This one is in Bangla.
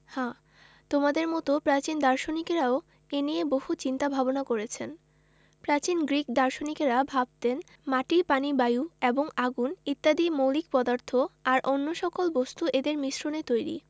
হ্যাঁ তোমাদের মতো প্রাচীন দার্শনিকেরাও এ নিয়ে বহু চিন্তা ভাবনা করেছেন প্রাচীন গ্রিক দার্শনিকেরা ভাবতেন মাটি পানি বায়ু এবং আগুন ইত্যাদি মৌলিক পদার্থ আর অন্য সকল বস্তু এদের মিশ্রণে তৈরি